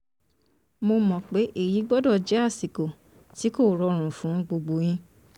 Mo mọ̀ pé èyí gbọ́dọ̀ jẹ́ àsìkò tí kò rọrùn fún gbogbo yín.